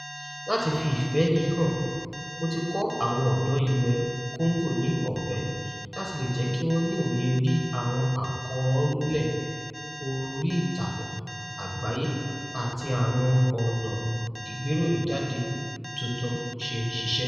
Láti fi ìfẹ́ yìí hàn, mo ti kọ́ àwọn ọ̀dọ́ ilẹ̀ Congo ní ọ̀fẹ́ láti lè jẹ́ kí wọ́n ní òye bí àwọn àkọọ́lẹ̀ oríìtakùn àgbáyé àti àwọn ọ̀nà ìgbéròyìnjáde tuntun ṣe ń ṣiṣẹ́.